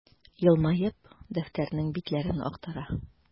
Елмаеп, дәфтәрнең битләрен актара.